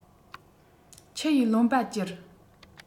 ཆུ ཡིས བློན པ གྱུར